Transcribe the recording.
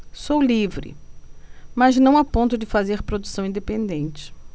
sou livre mas não a ponto de fazer produção independente